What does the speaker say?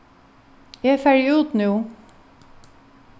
eg fari út nú